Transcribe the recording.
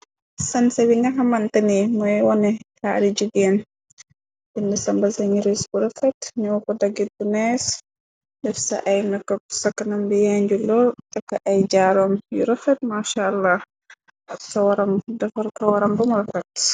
Sanse bi ngaxamantani mooy wone kaari jigeen dinn samba sanuris bu rafet ñow ko daggit bunees def sa ay mekkok sakknam bi yanju loo takk ay jaaroom yu rofet mashallah ak ca defar kawaram bamu rafet.